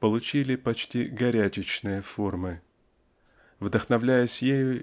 получили почти горячечные формы. Вдохновляясь ею